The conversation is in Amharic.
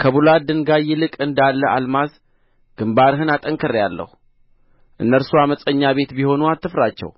ከቡላድ ድንጋይ ይልቅ እንዳለ አልማዝ ግምባርህን አጠንክሬአለሁ እነርሱ ዓመፀኛ ቤት ቢሆኑ አትፍራቸው